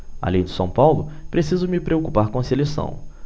além do são paulo preciso me preocupar com a seleção